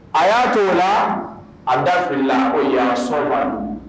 A y'a to la a dala o yan sɔnma